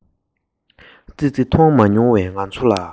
ཨ མ ཞོགས པ སྔ མོ ནས ལངས ཏེ